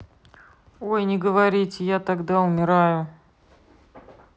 ой не говорите я тогда умираю